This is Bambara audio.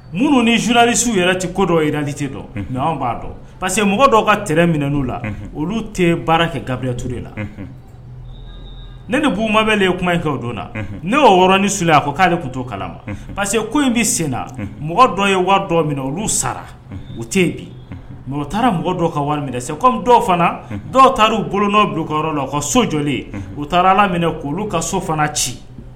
Minnu ni zlisiw yɛrɛti ko dɔnlite b'a dɔn pa mɔgɔ dɔw ka minɛn' la olu tɛ baara kɛ kabila tu de la ne ni bba bɛ le kuma in kɛ don na ne y'oɔrɔnin su a ko k'ale tun t'o kalama pa que ko in bɛ senna mɔgɔ dɔ ye dɔ olu sara u bi mɔgɔ taara mɔgɔ dɔ ka wari dɔw dɔw taara' u bolo bulon yɔrɔ la ka so jɔlen u taara ala minɛ k' olu ka so fana ci